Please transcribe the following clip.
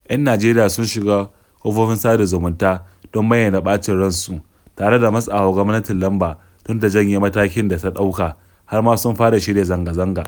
Yan Najeriya sun shiga kafofin sada zumunta don bayyana ɓacin ransu, tare da matsa wa gwamnati lamba don ta janye matakin da ta ɗauka, har ma sun fara shirya zanga-zanga.